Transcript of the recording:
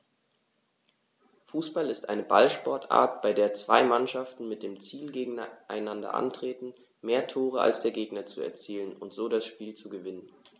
Fußball ist eine Ballsportart, bei der zwei Mannschaften mit dem Ziel gegeneinander antreten, mehr Tore als der Gegner zu erzielen und so das Spiel zu gewinnen.